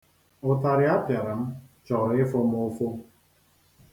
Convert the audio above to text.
Ụtarị a pịara m chọrọ ịfụ m ụfụ.